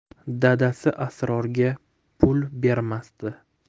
dadasi asrorga pul bermasdi